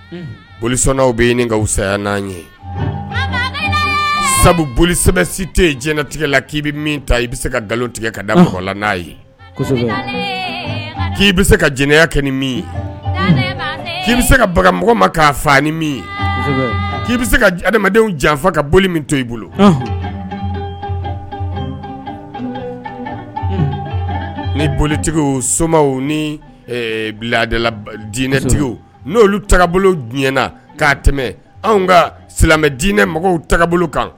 Bɛ sabu boli sɛbɛn tɛ jɛnɛ k' tigɛ n k' jɛnɛ kɛ' se ka ma'a faa ni k'i bɛ se ka adama janfa ka boli min to i bolo ni bolitigiw soma ni la dinɛtigiw n'oluna k' tɛmɛ anw ka silamɛinɛ mɔgɔw kan